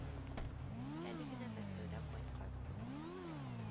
Әле генә мәскәүдән кайткан